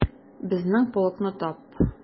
Безнең полкны тап...